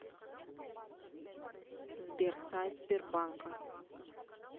сбер сайт сбербанка